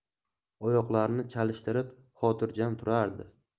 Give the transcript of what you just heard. oyoqlarini chalishtirib xotirjam turardi